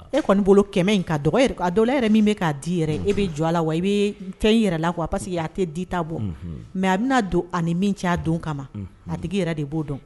E kɔni bolo kɛmɛ in ka dɔgɔ yɛrɛ kalɔ yɛrɛ min bɛ k'a di yɛrɛ e bɛ jɔ a la wa i bɛ fɛn in yɛrɛ la a parce que a tɛ di ta bɔ mɛ a bɛna don ani min ca don kama a digi e yɛrɛ de b'o dɔn